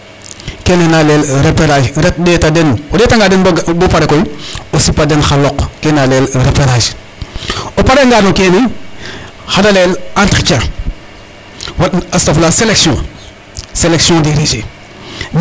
Kene layel repérage ɗeeta den, o ɗeetanga den bo pare koy o sip a den xa loq kene na layel repérage o pare'anga no kene xan a layel entretien astahfrilah sélection sélection des rejets.